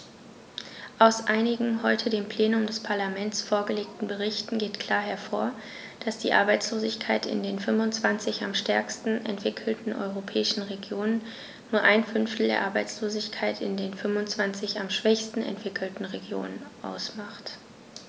Aus einigen heute dem Plenum des Parlaments vorgelegten Berichten geht klar hervor, dass die Arbeitslosigkeit in den 25 am stärksten entwickelten europäischen Regionen nur ein Fünftel der Arbeitslosigkeit in den 25 am schwächsten entwickelten Regionen ausmacht.